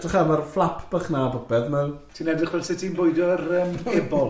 Drycha, mae'r flap bach yna a popeth, mae'n. Ti'n edrych fel se ti'n bwydio'r yym ebol?